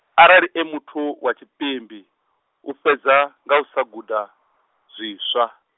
arali e muthu wa tshipimbi, u fhedza, nga u sa guda, zwiswa.